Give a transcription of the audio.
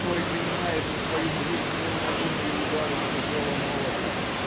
который принимает на свою грудь неумолимые удары чужого молота